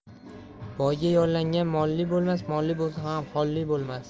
boyga yollangan molli bo'lmas molli bo'lsa ham holli bo'lmas